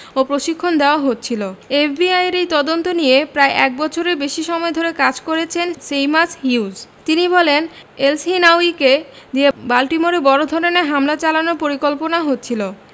ও প্রশিক্ষণ দেওয়া হচ্ছিল এফবিআইয়ের এই তদন্ত নিয়ে প্রায় এক বছরের বেশি সময় ধরে কাজ করেছেন সেইমাস হিউজ তিনি বলেন এলসহিনাউয়িকে দিয়ে বাল্টিমোরে বড় ধরনের হামলা চালানোর পরিকল্পনা হচ্ছিল